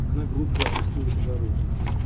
Она глубже опустила туда руку.